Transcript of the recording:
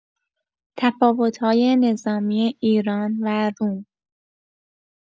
تفاوت‌های نظامی ایران و روم